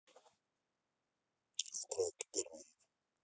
открой первый гид